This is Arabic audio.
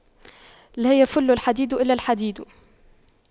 لا يَفُلُّ الحديد إلا الحديد